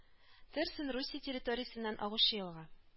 Терсон Русия территориясеннән агучы елга